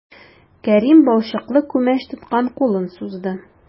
Кәрим балчыклы күмәч тоткан кулын сузды.